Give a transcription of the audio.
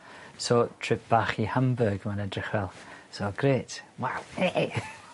So trip bach i Hamburg ma'n edrych fel so grêt waw.